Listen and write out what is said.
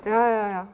ja ja ja.